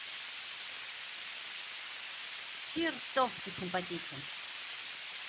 чертовски симпатичен